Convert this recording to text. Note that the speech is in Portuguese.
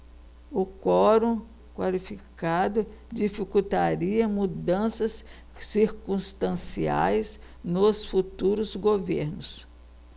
o quorum qualificado dificultaria mudanças circunstanciais nos futuros governos